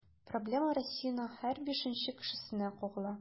Проблема Россиянең һәр бишенче кешесенә кагыла.